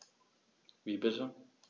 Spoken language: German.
Wie bitte?